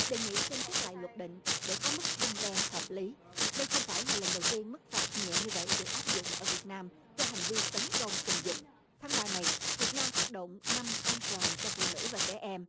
đề nghị xem xét lại luật định để có mức răn đe hợp lý đây không phải là lần đầu tiên mức phạt nhẹ như vậy được áp dụng ở việt nam cho hành vi tấn công tình dục tháng ba này việt nam phát động năm an toàn cho phụ nữ và trẻ em